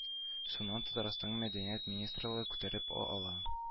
Шуннан татарстанның мәдәният министрлыгы күтәреп ала